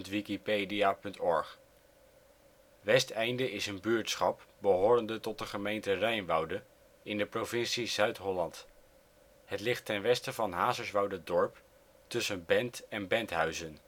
4° 33 ' OL Westeinde buurtschap in Nederland Situering Provincie Zuid-Holland Gemeente Vlag Rijnwoude Rijnwoude Coördinaten 52° 6′ NB, 4° 34′ OL Portaal Nederland Westeinde is een buurtschap behorende tot de gemeente Rijnwoude in de provincie Zuid-Holland. Het ligt ten westen van Hazerswoude-Dorp, tussen Bent en Benthuizen